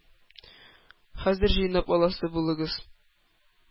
-хәзер җыйнап аласы булыгыз!